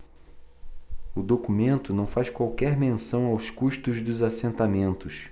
o documento não faz qualquer menção aos custos dos assentamentos